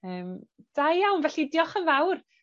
Yym da iawn felly diolch yn fawr